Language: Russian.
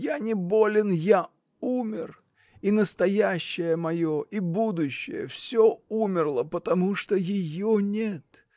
Я не болен, я умер, и настоящее мое, и будущее — всё умерло, потому что ее нет!